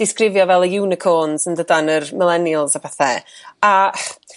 disgrifio fel yr unicrons yn dydan y millennials a pethe' a